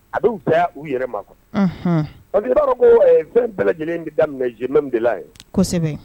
A bi fusaya u yɛrɛ ma kuwa . Unhun . parceque i ba dɔn ko ɛɛ fɛn bɛɛ lajɛlen bɛ daminɛ je m'aime de la hin kosɛbɛ